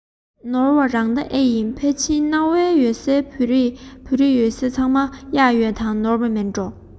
ནོར བ རང ད ཨེ ཡིན ཕལ ཆེར གནའ བོའི བོད རིགས ཡོད ས ཚང མར གཡག ཡོད རེད ཟེར བ དེ དང ནོར བ མིན འགྲོ